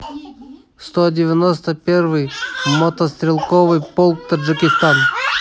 сто девяносто первый мотострелковый полк таджикистан